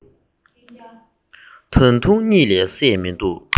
ད དུང གཉིད ལས སད མི འདུག